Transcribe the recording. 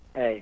eeyi